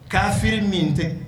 Kafiri min tɛ